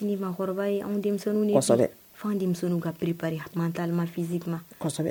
Denmuso ka ppip an t'ma fisi ma